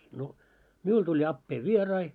no minulla tuli appeni vieraita